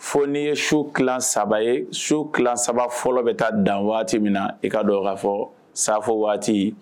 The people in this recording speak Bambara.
Fo n'i ye su ki saba ye su ki saba fɔlɔ bɛ taa dan waati min na i ka don kaa fɔ safo waati